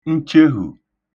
nchehù